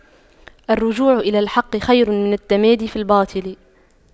الرجوع إلى الحق خير من التمادي في الباطل